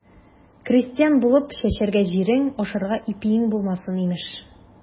Крестьян булып, чәчәргә җирең, ашарга ипиең булмасын, имеш.